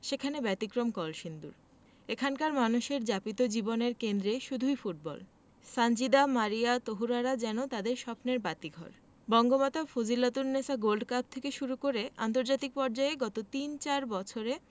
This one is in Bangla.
সেখানে ব্যতিক্রম কলসিন্দুর এখানকার মানুষের যাপিত জীবনের কেন্দ্রে শুধুই ফুটবল সানজিদা মারিয়া তহুরারা যেন তাদের স্বপ্নের বাতিঘর বঙ্গমাতা ফজিলাতুন্নেছা গোল্ড কাপ থেকে শুরু করে আন্তর্জাতিক পর্যায়ে গত তিন চার বছরে